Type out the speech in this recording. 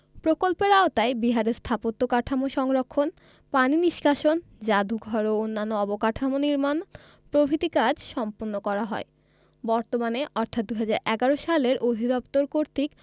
প্রকল্পের আওতায় বিহারের স্থাপত্য কাঠামো সংরক্ষণ পানি নিষ্কাশন জাদুঘর ও অন্যান্য অবকাঠামো নির্মাণ প্রভৃতি কাজ সম্পন্ন করা হয় বর্তমানে অর্থাৎ ২০১১ সালের অধিদপ্তর কর্তৃক